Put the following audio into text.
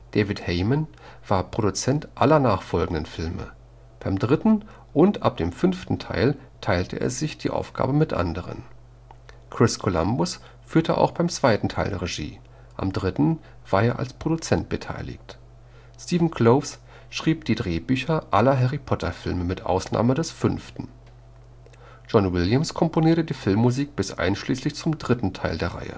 David Heyman war Produzent aller nachfolgenden Filme, beim dritten und ab dem fünften teilte er sich diese Aufgabe mit anderen. Chris Columbus führte auch beim zweiten Film Regie, am dritten war er als Produzent beteiligt. Steven Kloves schrieb die Drehbücher aller Harry-Potter-Filme mit Ausnahme des fünften. John Williams komponierte die Filmmusik bis einschließlich zum dritten Teil der